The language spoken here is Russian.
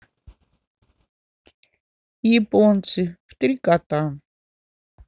японцы в три кота